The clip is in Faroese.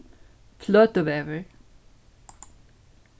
fløtuvegur